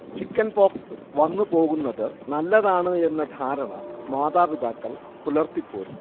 chickenpox വന്നുപോവുന്നത് നല്ലതാണു എന്ന ധാരണ മാതാപിതാക്കൾ പുലർത്തിപോരുന്നു